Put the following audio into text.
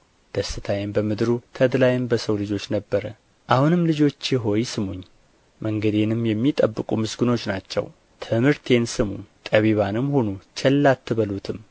ደስታዬም በምድሩ ተድላዬም በሰው ልጆች ነበረ አሁንም ልጆቼ ሆይ ስሙኝ መንገዴንም የሚጠብቁ ምስጉኖች ናቸው ትምህርቴን ስሙ ጠቢባንም ሁኑ ቸል አትበሉትም